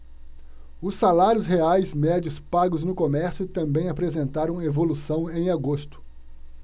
os salários reais médios pagos no comércio também apresentaram evolução em agosto